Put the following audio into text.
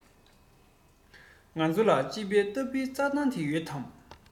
ང ཚོ ལ དཔྱིད དཔལ ལྟ བུའི རྩ ཐང དེ ཡོད དམ